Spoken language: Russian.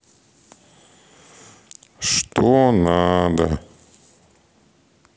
что надо